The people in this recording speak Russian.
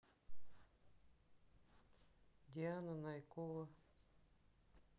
диана найкова